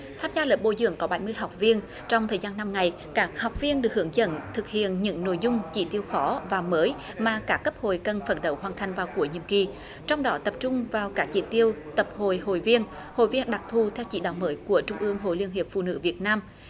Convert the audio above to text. tham gia lớp bồi dưỡng có bảy mươi học viên trong thời gian năm ngày các học viên được hướng dẫn thực hiện những nội dung chỉ tiêu khó và mới mà cả cấp hội cần phấn đấu hoàn thành vào cuối nhiệm kỳ trong đó tập trung vào các chỉ tiêu tập hội hội viên hội viên đặc thù theo chỉ đạo mới của trung ương hội liên hiệp phụ nữ việt nam